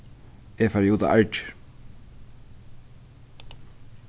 eg fari út á argir